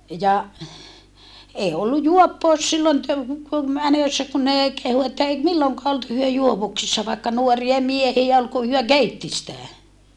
ja ei ollut juoppous silloin -- menossa kun ne kehui että ei milloinkaan ollut he juovuksissa vaikka nuoria miehiä oli kun he keitti sitä